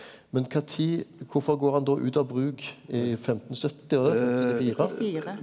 men kva tid kvifor går han då ut av bruk i 1570 ?